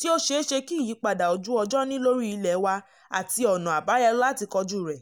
tó ṣeé ṣe kí ìyípadà ojú ọjọ́ ní lórí ilẹ̀ wa àti ọ̀nà àbáyọ láti kojú rẹ̀.